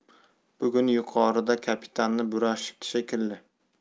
bugun yuqorida kapitanni burashibdi shekilli